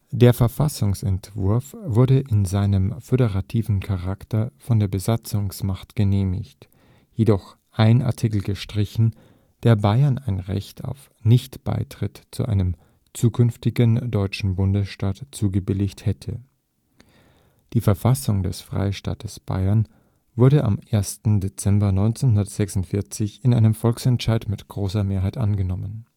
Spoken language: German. Der Verfassungsentwurf wurde in seinem föderativen Charakter von der Besatzungsmacht genehmigt, jedoch ein Artikel gestrichen, der Bayern ein Recht auf Nichtbeitritt zu einem zukünftigen deutschen Bundesstaat zugebilligt hätte. Die Verfassung des Freistaates Bayern wurde am 1. Dezember 1946 in einem Volksentscheid mit großer Mehrheit angenommen